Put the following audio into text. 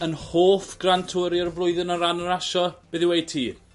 'Yn hoff grand tour i o'r flwyddyn o ran y rasio. Beth yw e i ti?